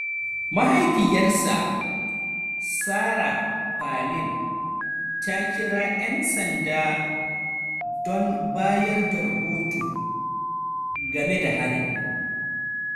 Mahaifiyarsa, Sarah Palin, ta kira 'yan sanda don bayar da rahoto game da harin.